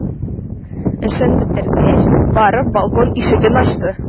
Эшен бетергәч, барып балкон ишеген ачты.